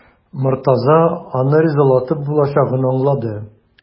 Мортаза аны ризалатып булачагын аңлады.